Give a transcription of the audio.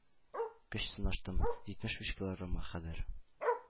Көч сынаштым – җитмеш биш килограммга кадәр